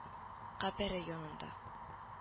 Кабере янында